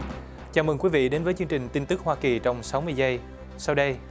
chào mừng quý vị đến với chương trình tin tức hoa kỳ trong sáu mươi giây sau đây